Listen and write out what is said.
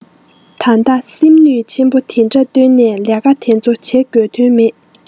ད ལྟ སེམས ནུས ཆེན པོ དེ འདྲ བཏོན ནས ལས ཀ དེ ཚོ བྱེད དགོས དོན མེད